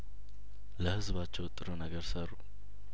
ለህዝባቸው ጥሩ ነገር ሰሩ